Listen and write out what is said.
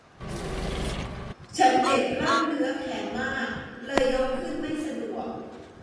ฉันเจ็บกล้ามเนื้อแขนมากเลยยกขึ้นไม่สะดวก